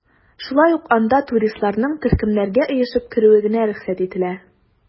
Шулай ук анда туристларның төркемнәргә оешып керүе генә рөхсәт ителә.